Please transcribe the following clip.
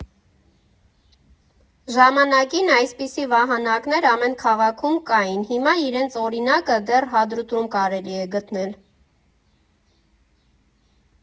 Ժամանակին այսպիսի վահանակներ ամեն քաղաքում կային, հիմա իրենց օրինակը դեռ Հադրութում կարելի է գտնել։